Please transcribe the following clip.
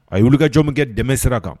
A y ye'lu kajɔ min kɛ dɛmɛ sira kan